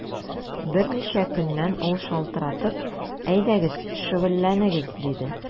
Берничә көннән ул шалтыратып: “Әйдәгез, шөгыльләнегез”, диде.